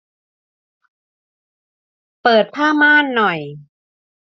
เปิดผ้าม่านหน่อย